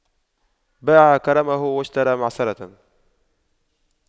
باع كرمه واشترى معصرة